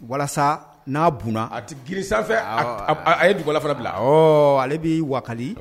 Walasa n'a b a tɛ gi sanfɛ a ye bikala fana bila hɔ ale bɛ wali